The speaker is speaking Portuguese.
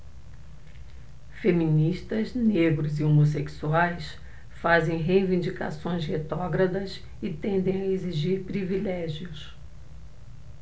feministas negros e homossexuais fazem reivindicações retrógradas e tendem a exigir privilégios